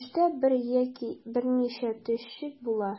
Төштә бер яки берничә төшчек була.